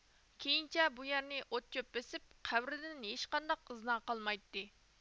كېيىنچە بۇ يەرنى ئوت چۆپ بېسىپ قەبرىدىن ھېچقانداق ئىزنا قالمايتتى